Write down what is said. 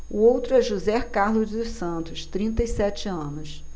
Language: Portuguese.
o outro é josé carlos dos santos trinta e sete anos